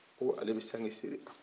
ko ale bɛ sanke siri a kɔrɔ